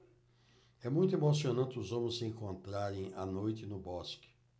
é muito emocionante os homens se encontrarem à noite no bosque